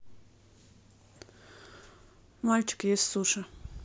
мальчик ест суши